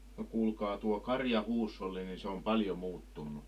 no kuulkaa tuo karjahuusholli niin se on paljon muuttunut